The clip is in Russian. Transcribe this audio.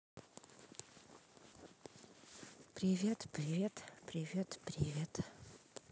привет привет привет привет